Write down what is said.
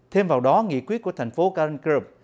thêm vào đó nghị quyết của thành phố ca ranh cum